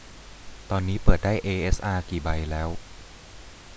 ตอนนี้เปิดได้เอเอสอากี่ใบแล้ว